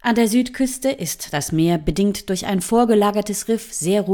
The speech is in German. An der Südküste ist das Meer, bedingt durch ein vorgelagertes Riff, sehr